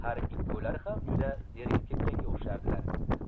har ikkovlari ham juda zerikib ketganga o'xshardilar